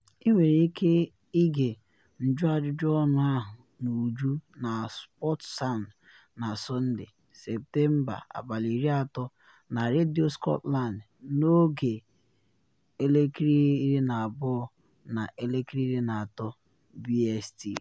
Ị nwere ike ịge njụajụjụ ọnụ ahụ n’uju na Sportsound na Sọnde, Septemba 30, na Radio Scotland n’oge 12:00 na 13:00 BST